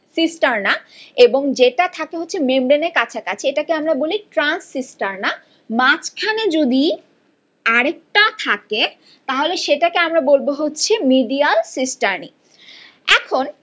cisterna এবং যেটা থাকে হচ্ছে মেমব্রেন এর কাছাকাছি এটা ক্যামেরা বলি ট্রানসিস্টরনা মাঝখানে যদি আরেকটা থাকে তাহলে সেটাকে আমরা বলব হচ্ছে মিডিয়াল সিস্টার্নি এখন